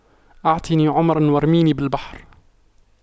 اعطني عمرا وارميني بالبحر